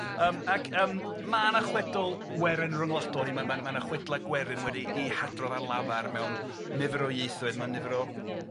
Yym ac yym ma' 'na chwedl Werin ryngwladol ma' ma' ma' 'na chwedla Gwerin wedi 'u hadrodd ar lafar mewn nifer o ieithoedd, mewn nifer o